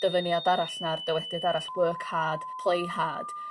dyfyniad arall 'na a'r dywediad arall work hard play hard.